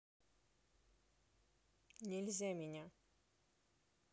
нельзя меня